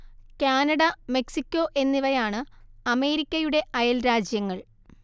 Canada Mexico എന്നിവയാണ് അമേരിക്കയുടെ അയൽ രാജ്യങ്ങൾ